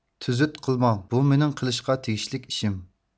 تۈزۈت قىلماڭ بۇ مېنىڭ قىلىشقا تېگىشلىك ئىشىم